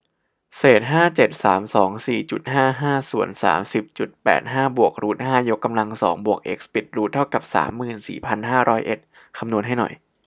เศษห้าเจ็ดสามสองสี่จุดห้าห้าส่วนสามสิบจุดแปดห้าบวกรูทห้ายกกำลังสองบวกเอ็กซ์ปิดรูทเท่ากับสามหมื่นสี่พันห้าร้อยเอ็ดคำนวณให้หน่อย